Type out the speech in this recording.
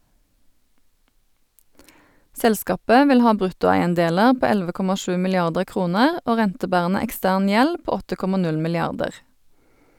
Selskapet vil ha bruttoeiendeler på 11,7 milliarder kroner og rentebærende ekstern gjeld på 8,0 milliarder.